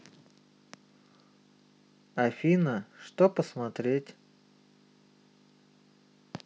афина что посмотреть